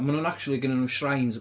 Maen nhw'n acshyli gynna nhw shrines.